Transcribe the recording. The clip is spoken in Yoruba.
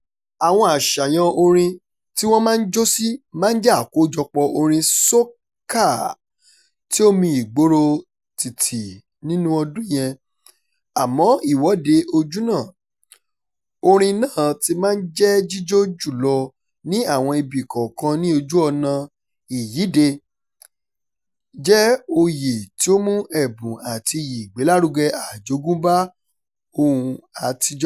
Àwọn àṣàyàn orin tí wọ́n máa ń jó sí máa ń jẹ́ àkójọpọ̀ orin soca tí ó mi ìgboro títì nínú ọdún yẹn, àmọ́ Ìwọ́de Ojúnà — orin náà tí máa ń jẹ́ jíjó jù lọ ní àwọn ibi kọ̀ọ̀kan ní ojú ọ̀nà ìyíde — jẹ́ oyè tí ó mú ẹ̀bùn àti iyì ìgbélárugẹ àjogúnbá ohun àtijọ́.